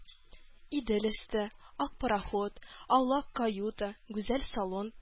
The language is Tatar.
Идел өсте, ак пароход, аулак каюта, гүзәл салон